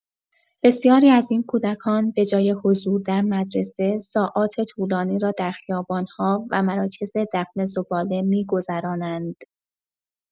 بسیاری از این کودکان به‌جای حضور در مدرسه، ساعات طولانی را در خیابان‌ها و مراکز دفن زباله می‌گذرانند.